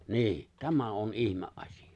niin tämä on ihmeasia